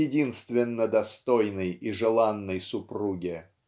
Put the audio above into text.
единственно достойной и желанной супруге